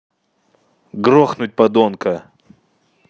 грохнуть падонка